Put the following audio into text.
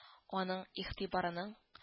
Аның игътибарының к